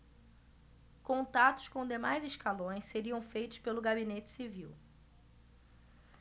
contatos com demais escalões seriam feitos pelo gabinete civil